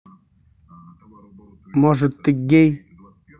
может ты гей